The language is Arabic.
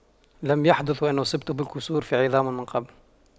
لم يحدث وأن أصبت بالكسور في عظام من قبل